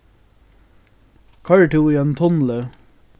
koyrir tú í einum tunli